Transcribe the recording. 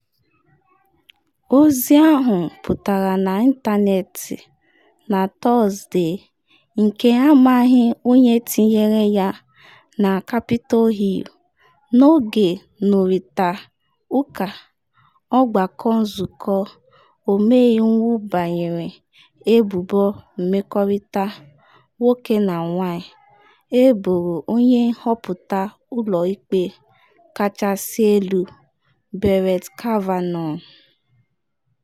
Ozi ahụ pụtara n’ịntanetị na Tọsde, nke amaghị onye tinyere ya na Capitol Hill n’oge nnụrịta ụka ọgbakọ Nzụkọ Ọmeiwu banyere ebubo mmekọrịta nwoke na nwanyị eboro onye nhọpụta Ụlọ Ikpe Kachasị Elu Brett Kavanaugh.